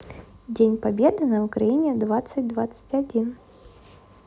день победы на украине двадцать двадцать один